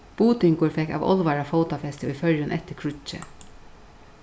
budingur fekk av álvara fótafesti í føroyum eftir kríggið